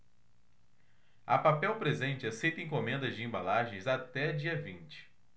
a papel presente aceita encomendas de embalagens até dia vinte